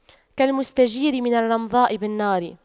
كالمستجير من الرمضاء بالنار